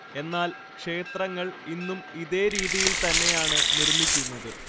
എന്നാല്‍ ക്ഷേത്രങ്ങള്‍ ഇന്നും ഇതേ രീതിയില്‍ തന്നെയാണ്‌ നിര്‍മ്മിക്കുന്നത്